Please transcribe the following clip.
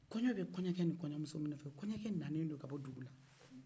kɔɲɔ bɛ kɔɲɔkɛ ni kɔɲɔmuso min nɔfɛ kɔɲɔkɛ nalen bɛ ka bɔ dugu la